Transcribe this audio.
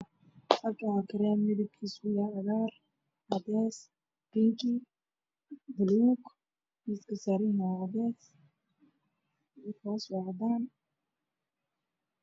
Halkan waa karem midabkisu yahay cagar cadays binging madow miiski saran yahay wa cadays hos wa cadan